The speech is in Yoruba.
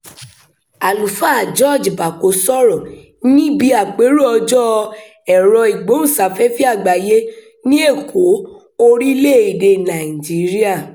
Àlùfáà George Bako sọ̀rọ̀ níbi àpérò Ọjọ́ Ẹ̀rọ-ìgbóhùnsáfẹ́fẹ́ Àgbáyé ní Èkó, orílẹ̀-èdèe Nàìjíríà.